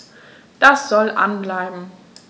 Das soll an bleiben.